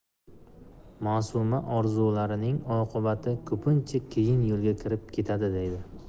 ma'suma orzularining oqibati ko'pincha keyin yo'lga kirib ketadi deydi